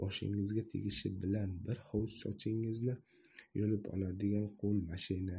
boshingizga tegishi bilan bir hovuch sochingizni yulib oladigan qo'l mashina